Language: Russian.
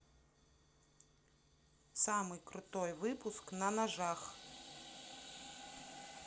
самый крутой выпуск на ножах